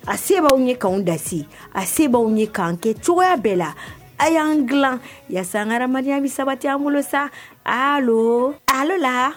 A se'aw ye k'an da a se' ye k'an kɛ cogoya bɛɛ la a y'an dilan yasakaramaya ni sabati an bolo sa a ala la